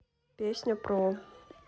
песня про